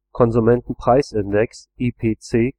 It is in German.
Konsumentenpreisindex IPC